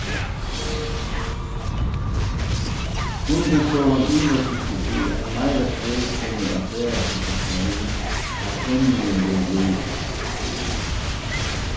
kunningarstovan ivast ikki í at meira ferð kemur á ferðafólkastreymin tá tunnilin verður liðugur